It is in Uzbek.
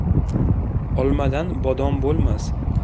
olmadan bodom bo'lmas